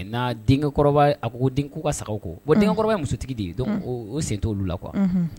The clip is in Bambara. Denkɛ ko den' ka saga ko denkɛkɔrɔba musotigi de dɔn o sen t'olu la qu